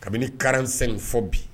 Kabini kalanran sen fɔ bi